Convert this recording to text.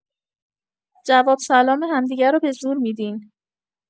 جواب سلام همدیگه رو به‌زور می‌دین